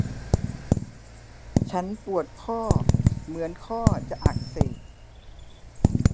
ฉันปวดข้อเหมือนข้อจะอักเสบ